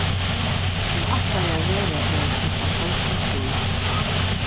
hon ætlaði at verða her klokkan hálvgum trý